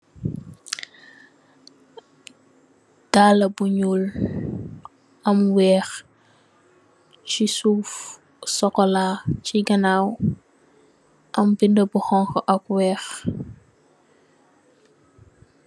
Kala bou nyull am weck ci souf am sokolar ci gannaw am bendou bou konku ak weck